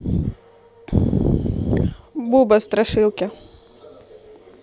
буба страшилки